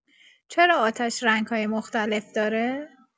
چرا آتش رنگ‌های مختلف داره؟